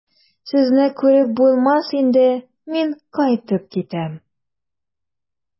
Сезне күреп булмас инде, мин кайтып китәм.